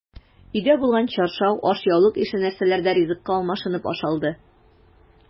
Өйдә булган чаршау, ашъяулык ише нәрсәләр дә ризыкка алмашынып ашалды.